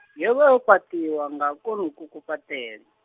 yo vha yo fhaṱiwa nga kwonoku kufhaṱele.